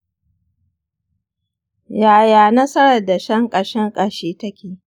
yaya nasarar dashen ƙashin ƙashi take?